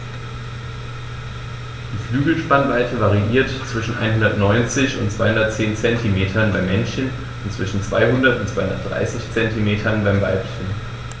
Die Flügelspannweite variiert zwischen 190 und 210 cm beim Männchen und zwischen 200 und 230 cm beim Weibchen.